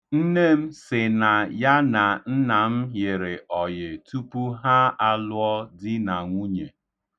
Nne m sị na ya na nna m yịrị ọyị tupu ha alụọ di na nwunye.